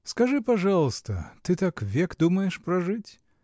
— Скажи, пожалуйста: ты так век думаешь прожить?